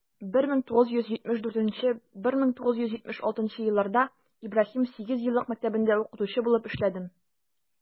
1974 - 1976 елларда ибраһим сигезьеллык мәктәбендә укытучы булып эшләдем.